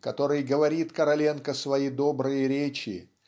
которой говорит Короленко свои добрые речи